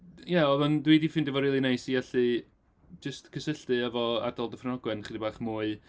Ie oedd o'n... Dwi 'di ffeindio fo rili neis i allu jyst gysylltu efo ardal Dyffryn Ogwen chydig bach mwy.